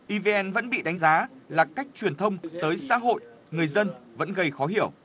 i vê en vẫn bị đánh giá là cách truyền thông tới xã hội người dân vẫn gây khó hiểu